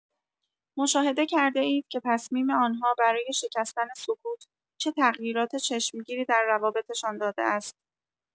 مشاهده کرده‌اید که تصمیم آن‌ها برای شکستن سکوت، چه تغییرات چشمگیری در روابطشان داده است.